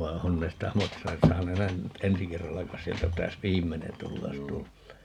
vaan on ne sitä maksaneet saa nähdä nyt ensi kerralla kai sieltä pitäisi viimeinen tulla jos tulee